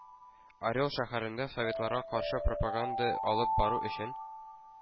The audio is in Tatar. Орел шәһәрендә советларга каршы пропаганда алып бару өчен